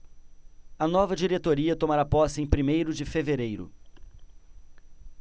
a nova diretoria tomará posse em primeiro de fevereiro